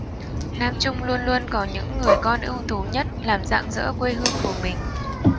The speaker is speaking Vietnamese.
nam trung luôn luôn có những người con ưu tú nhất làm rạng rỡ quê hương của mình